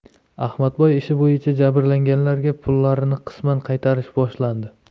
ahmadboy ishi bo'yicha jabrlanganlarga pullarini qisman qaytarish boshlandi